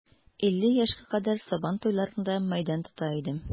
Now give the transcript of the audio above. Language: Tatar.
Илле яшькә кадәр сабан туйларында мәйдан тота идем.